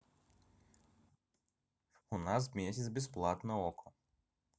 у нас месяц бесплатно okko